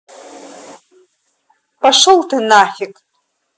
пошел ты нафиг